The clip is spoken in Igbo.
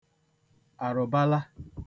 àrụ̀bala